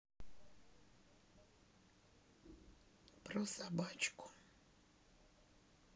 про собачку